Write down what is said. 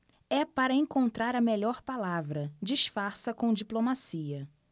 é para encontrar a melhor palavra disfarça com diplomacia